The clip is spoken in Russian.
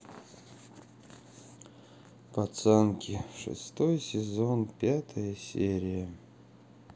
пацанки шестой сезон пятая серия